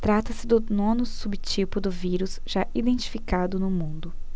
trata-se do nono subtipo do vírus já identificado no mundo